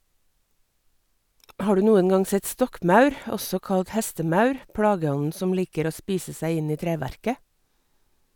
Har du noen gang sett stokkmaur, også kalt hestemaur, plageånden som liker å spise seg inn i treverket?